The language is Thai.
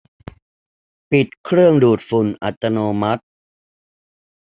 ปิดเครื่องดูดฝุ่นอัตโนมัติ